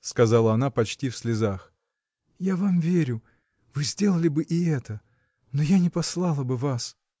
— сказала она почти в слезах, — я вам верю, вы сделали бы и это! Но я не послала бы вас.